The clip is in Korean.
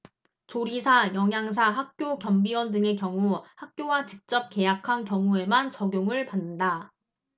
조리사 영양사 학교 경비원 등의 경우 학교와 직접 계약한 경우에만 적용을 받는다